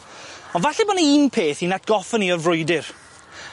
On' falle bo' 'ny un peth i'n atgoffa ni o'r frwydyr.